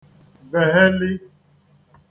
vèghelī